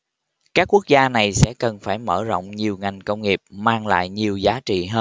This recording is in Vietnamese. các quốc gia này sẽ cần phải mở rộng nhiều ngành công nghiệp mang lại nhiều giá trị hơn